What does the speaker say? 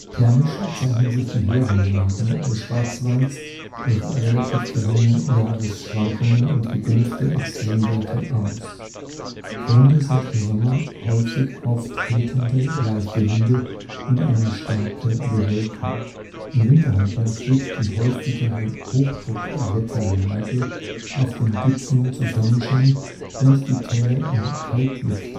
Thermisch zeichnen sich die höheren Lagen des Schwarzwalds durch relativ geringe Jahresschwankungen und gedämpfte Extremwerte aus. Gründe sind im Sommer häufig auftretende leichte Winde und eine stärkere Bewölkung. Im Winterhalbjahr führt die häufigere Hochdruckwetterlage auf den Gipfeln zu Sonnenschein, während die Täler in Kaltluftseen